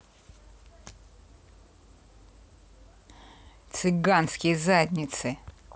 цыганские задницы